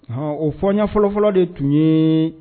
Ɔ o fɔ fɔlɔfɔlɔ de tun ye